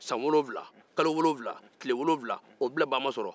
san wolonwula kalo wolonwula tile wolonwula o bilabaa ma sɔrɔ